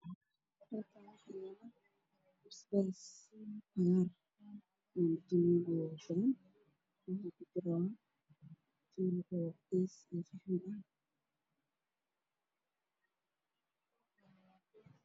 Waa basbaas midadkiisu yahay cagaar oo fara badan oo ku jira jawaan